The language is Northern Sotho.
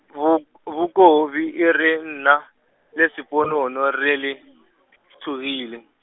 boK- bokobi e re nna, le Sponono re le, tlogele.